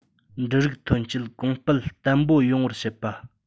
འབྲུ རིགས ཐོན སྐྱེད གོང སྤེལ བརྟན པོ ཡོང བར བྱེད པ